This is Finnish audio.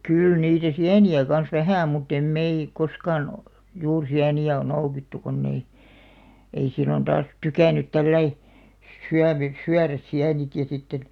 kyllä niitä sieniä kanssa vähän mutta emme me koskaan - juuri sieniä ole noukittu kun ei ei silloin taas tykännyt tällä lailla -- syödä sieniäkään sitten